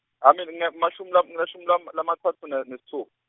amin nge mashumi lama ngeshumi lam- lamatsatfu ne nesitfupha.